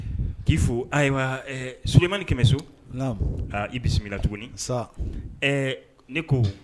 K'i fo ayiwa Solomani Kɛmɛso, naamu, i bisimila tuguni, saha, ɛ ne ko